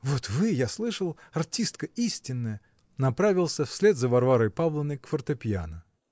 Вот вы, я слышал, артистка истинная", -- направился вслед за Варварой Павловной к фортепьяно.